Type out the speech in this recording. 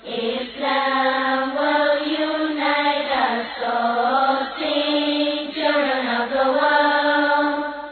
Miniyan mɔ yoinɛ' den yo wa